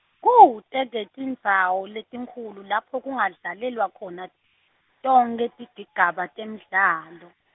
Kute-ke tindzawo letinkhulu lapho kungadlalelwa khona, tonkhe tigigaba temdlalo.